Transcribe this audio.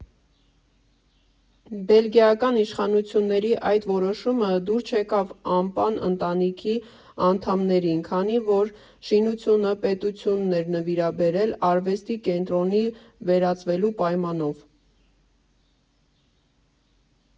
Բելգիական իշխանությունների այդ որոշումը դուր չեկավ Ամպան ընտանիքի անդամներին, քանի որ շինությունը պետությանն էր նվիրաբերվել արվեստի կենտրոնի վերածվելու պայմանով։